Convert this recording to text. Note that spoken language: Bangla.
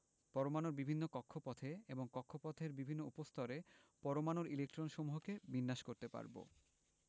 পরমাণুর বিভিন্ন কক্ষপথে এবং কক্ষপথের বিভিন্ন উপস্তরে পরমাণুর ইলেকট্রনসমূহকে বিন্যাস করতে পারব